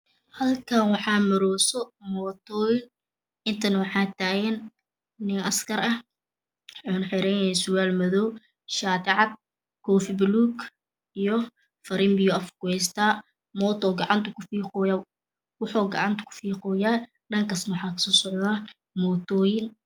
Halkaan waxaa morooso mootooyin intana waxaa tagan nin askari ah waxuu xiran yahy surwaal madow shaati cad iyo koofi paluug iyo firinpiyuu afka ku hestaa mootuu gacanta ku fiqooyaa waxuu gacta kufiqoyaa dhankaasna waxaa kasosocda mootoyin